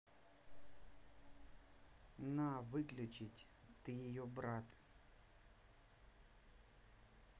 на выключить ты ее брат